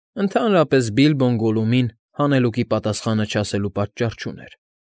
Ընդհանրապես Բիլբոն Գոլլումին հանելուկի պատասխանը չասելու պատճառ չուներ։